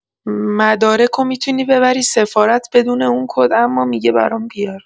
مدارکو می‌تونی ببری سفارت بدون اون کد اما می‌گه برام بیار